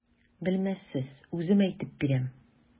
Белмәссез, үзем әйтеп бирәм.